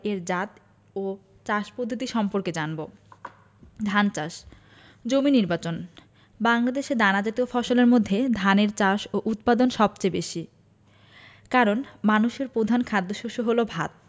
এর জাত ও চাষ পদ্ধতি সম্পর্কে জানব ধান চাষ জমি নির্বাচনঃ বাংলাদেশে দানাজাতীয় ফসলের মধ্যে ধানের চাষ ও উৎপাদন সবচেয়ে বেশি কারন মানুষের পধান খাদ্যশস্য হলো ভাত